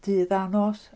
Dydd a nos.